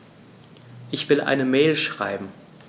Ich will eine Mail schreiben.